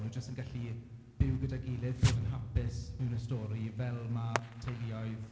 Maen nhw jyst yn gallu byw gyda'i gilydd, bod yn hapus mewn y stori, fel ma' teuluoedd...